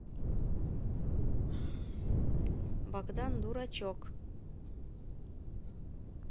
богдан дурачок